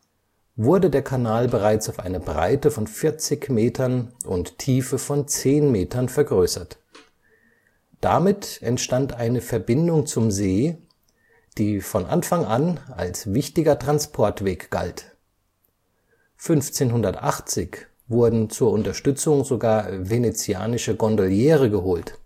wurde der Kanal bereits auf eine Breite von 40 Metern und Tiefe von 10 Metern vergrößert. Damit entstand eine Verbindung zum See, die von Anfang an als wichtiger Transportweg galt. 1580 wurden zur Unterstützung sogar venezianische Gondoliere geholt